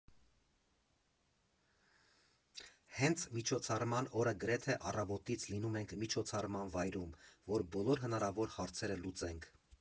Հենց միջոցառման օրը գրեթե առավոտից լինում ենք միջոցառման վայրում, որ բոլոր հնարավոր հարցերը լուծենք։